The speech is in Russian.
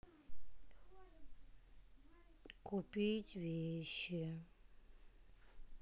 купить вещи